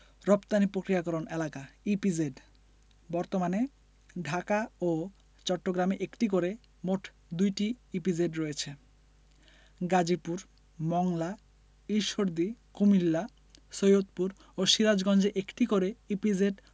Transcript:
রপ্তানি প্রক্রিয়াকরণ এলাকাঃ ইপিজেড বর্তমানে ঢাকা ও চট্টগ্রামে একটি করে মোট ২টি ইপিজেড রয়েছে গাজীপুর মংলা ঈশ্বরদী কুমিল্লা সৈয়দপুর ও সিরাজগঞ্জে একটি করে ইপিজেড